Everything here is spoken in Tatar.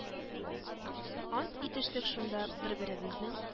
Ант итештек шунда, бер-беребезнең